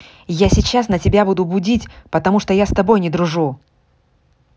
я сейчас на тебя буду будить потому что я с тобой не дружу